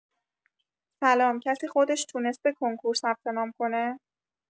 سلام کسی خودش تونسته کنکور ثبت‌نام کنه؟